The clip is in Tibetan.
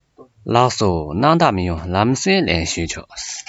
ལགས སོ སྣང དག མི ཡོང ལམ སེང ལན ཞུས ཆོག